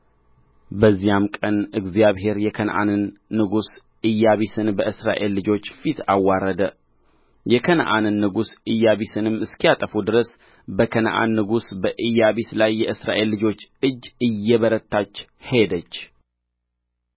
በዚያም ቀን እግዚአብሔር የከነዓንን ንጉሥ ኢያቢስን በእስራኤል ልጆች ፊት አዋረደ የከነዓንን ንጉሥ ኢያቢስንም እስኪያጠፉ ድረስ በከነዓን ንጉሥ በኢያቢስ ላይ የእስራኤል ልጆች እጅ እየበረታች ሄደች